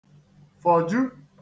fọ̀ju